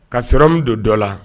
Kasɔrɔ min don dɔ la